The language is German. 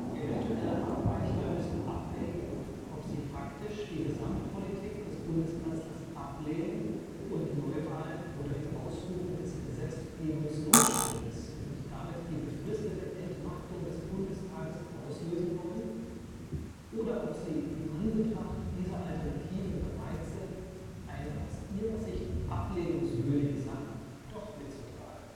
Eventuelle Abweichler müssen abwägen, ob sie faktisch die Gesamtpolitik des Bundeskanzlers ablehnen und Neuwahlen oder die Ausrufung des Gesetzgebungsnotstandes und damit die befristete Entmachtung des Bundestages auslösen wollen oder ob sie in Anbetracht dieser Alternativen bereit sind, eine aus ihrer Sicht ablehnungswürdige Sache doch mitzutragen